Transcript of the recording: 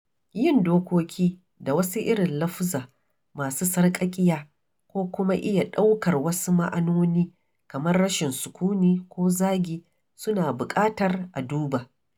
Yin dokoki da wasu irin lafuza masu sarƙaƙiya ko kuma iya ɗaukar wasu ma'anoni kamar "rashin sukuni" ko "zagi" suna buƙatar a duba.